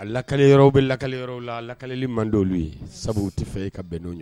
A lakale yɔrɔw bɛ lakale yɔrɔw la lakali mand'olu ye sabu u ti fɛ e ka bɛn n'o ɲ